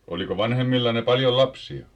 oliko vanhemmillanne paljon lapsia